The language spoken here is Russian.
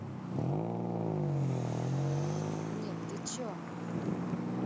нет ты че